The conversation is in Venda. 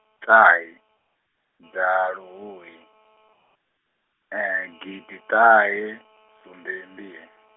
ṱahe dza luhuhi, gidi -ṱahefumbilimbili.